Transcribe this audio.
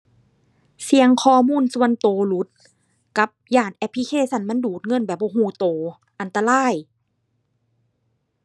เสี่ยงข้อมูลส่วนตัวหลุด กับย้านแอปพลิเคชันมันดูดเงินแบบบ่ตัวตัว อันตราย